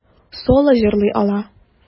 Соло җырлый ала.